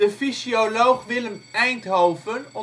fysioloog Willem Einthoven